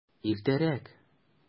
Иртәрәк!